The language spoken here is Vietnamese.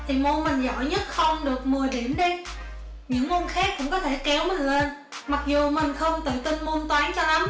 thì môn mình giỏi nhất không được điểm đi những môn khác cũng có thể kéo mình lên mặc dù mình không tự tin môn toán cho lắm